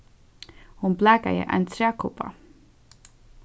hon blakaði ein trækubba